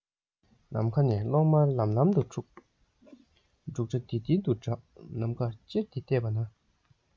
ནམ མཁའ ནས གློག དམར ལམ ལམ དུ འཁྱུག འབྲུག སྒྲ ལྡིར ལྡིར དུ གྲགས ནམ མཁར ཅེར ཏེ བསྡད པ ན